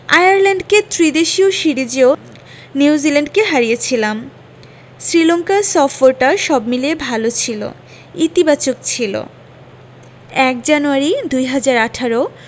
আয়ারল্যান্ডকে ত্রিদেশীয় সিরিজেও নিউজিল্যান্ডকে হারিয়েছিলাম শ্রীলঙ্কা সফরটা সব মিলিয়ে ভালো ছিল ইতিবাচক ছিল ০১ জানুয়ারি ২০১৮